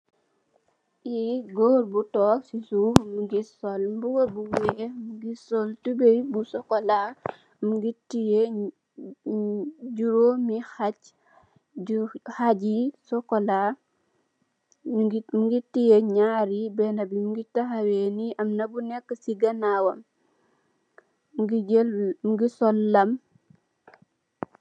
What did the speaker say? Kii goor gu toog si suuf, mingi sol mbuba bu weex, mingi sol tubay bu sokola, mingi tiye juroomi haaj, haaj yu sokola, mingi tiye nyaar yi, beneen bi mingi tahaw ni, amna bu nekk si ganaawam, mingi jal, mingi sol lam.